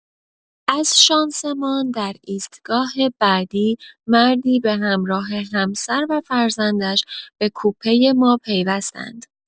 از شانسمان در ایستگاه بعدی مردی به همراه همسر و فرزندش به کوپه ما پیوستند.